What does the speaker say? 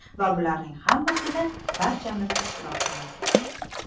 va bularning hammasida barchamiz ishtirokchimiz